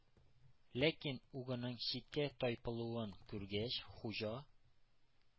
Ләкин угының читкә тайпылуын күргәч, Хуҗа: